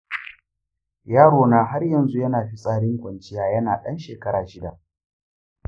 yarona har yanzu yana fitsarin kwanciya yana ɗan shekara shida.